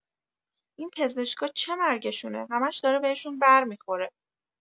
این پزشکا چه مرگشونه همه‌ش داره بهشون بر می‌خوره؟